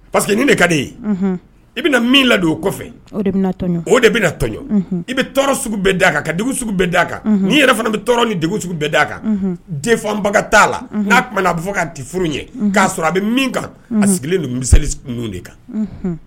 Parce queseke ne de ka di ye i bɛna min ladon o o de bɛ tɔnɲɔn i bɛ tɔɔrɔ bɛɛ da' kan ka dugu bɛɛ d'a kan ni'i yɛrɛ fana bɛ tɔɔrɔ ni dugu bɛɛ d' a kan denfabaga t'a la'a tun'a bɛ fɔ k'a tɛ furu ye k'a sɔrɔ a bɛ min kan a sigilen ninnu mi ninnu de kan